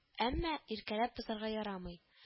Әмма иркәләп бозарга ярамый